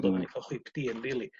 T'wo odda ni'n ca'l chwip dîn rili